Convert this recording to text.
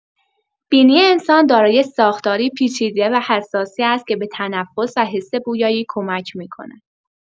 بینی انسان دارای ساختاری پیچیده و حساسی است که به تنفس و حس بویایی کمک می‌کند.